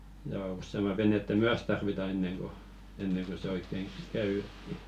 ja useamman venettä myös tarvitaan ennen kuin ennen kuin se oikein käy eteen